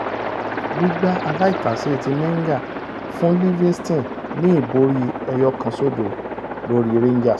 Gbígbá aláìtàsé ti Menga fún Livingston ní ìborí 1-0 lórí Rangers.